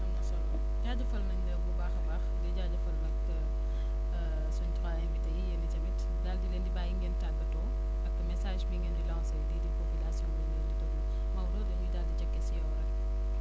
am na solo jaajëfal nañ la bu baax a baax di jaajëfal na suñu trois invcités yi yéen itamit daal di leen di bàyyi ngeen tàggatoo ak message bi ngeen di lancer lii di population ñoom itamit Maodo dañuy daal di njëkkee si yow rek